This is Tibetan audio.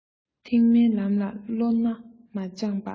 ཐེག དམན ལམ ལ བློ སྣ མ སྦྱངས པར